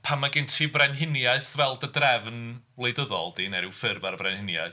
Pan ma' gen ti frenhiniaeth fel dy drefn wleidyddol 'di, neu ryw ffurf ar frenhiniaeth.